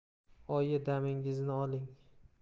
oyi damingizni oling